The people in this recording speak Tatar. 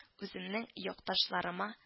Үземнең якташларыма